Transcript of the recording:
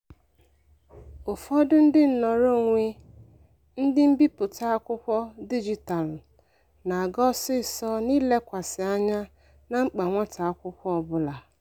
Ụfọdụ ndị nnọrọ onwe, ndị mbipụta akwụkwọ dijitalụ na-aga ọsịsọ na ilekwasa anya na mkpa nwata akwụkwọ ọbụla.